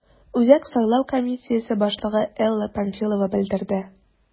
Үзәк сайлау комиссиясе башлыгы Элла Памфилова белдерде: